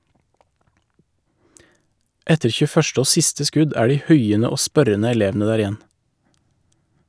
Etter 21. og siste skudd er de huiende og spørrende elevene der igjen.